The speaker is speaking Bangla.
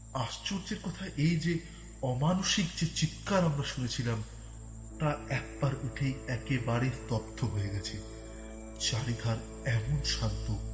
আশ্চর্যের কথা এই যে অমানুষিক যে চিৎকার আমরা শুনছিলাম তা এক বার উঠে একেবারে স্তব্ধ হয়ে গেছে চারিধার এমন শান্ত